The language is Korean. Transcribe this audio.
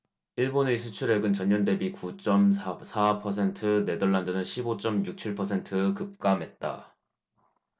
일본의 수출액은 전년대비 구 쩜 사 사 퍼센트 네덜란드는 십 오 쩜 육 칠 퍼센트 급감했다